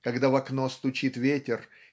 когда в окно стучит ветер